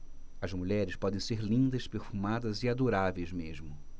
as mulheres podem ser lindas perfumadas e adoráveis mesmo